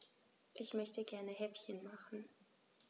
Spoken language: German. Ich möchte gerne Häppchen machen.